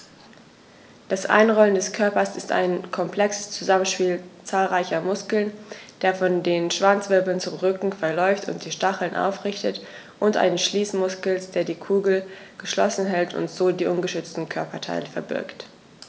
Das Einrollen des Körpers ist ein komplexes Zusammenspiel zahlreicher Muskeln, der von den Schwanzwirbeln zum Rücken verläuft und die Stacheln aufrichtet, und eines Schließmuskels, der die Kugel geschlossen hält und so die ungeschützten Körperteile verbirgt.